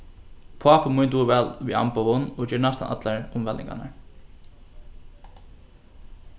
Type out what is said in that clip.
pápi mín dugir væl við amboðum og ger næstan allar umvælingarnar